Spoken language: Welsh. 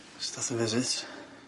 S't ath y visits?